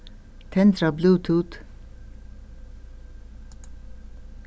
tendra bluetooth